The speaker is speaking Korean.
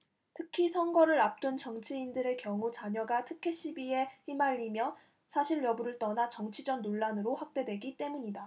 특히 선거를 앞둔 정치인들의 경우 자녀가 특혜시비에 휘말리면 사실여부를 떠나 정치적 논란으로 확대되기 때문이다